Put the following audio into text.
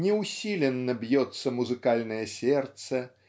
не усиленно бьется музыкальное сердце